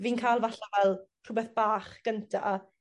fi'n ca'l fatyha fel rhwbeth bach gynta